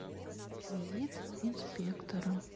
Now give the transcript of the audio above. визит инспектора